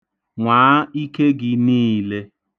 Nwaa ike gị niile.